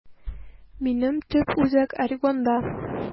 Минем төп үзәк Орегонда.